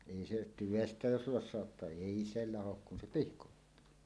ei se tyvestä jos lossauttaa ei se laho kun se pihkoittuu